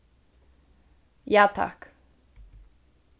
ja takk